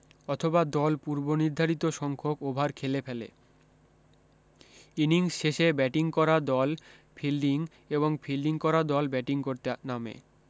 অথবা দল পূর্বনির্ধারিত সংখ্যক ওভার খেলে ফেলে ইনিংস শেষে ব্যাটিং করা দল ফিল্ডিং এবং ফিল্ডিং করা দল ব্যাটিং করতে নামে